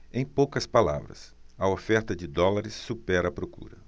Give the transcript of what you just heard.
em poucas palavras a oferta de dólares supera a procura